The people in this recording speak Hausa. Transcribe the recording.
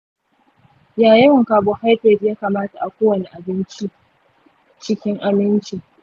ya yawan carbohydrates yakamata a kowani a abinci cikin aminci?